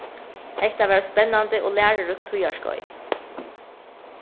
hetta var eitt spennandi og læruríkt tíðarskeið